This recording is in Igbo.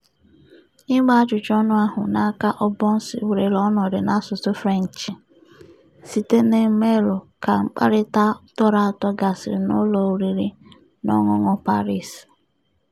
Ịgba ajụjụ ọnụ ahụ n'aka Ouabonzi were ọnọdụ n'asụsụ French site na meelụ ka mkparịta tọrọatọ gasịrị n'ụlọ oriri na ọṅụṅụ Paris.